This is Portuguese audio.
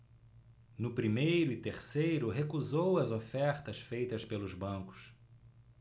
no primeiro e terceiro recusou as ofertas feitas pelos bancos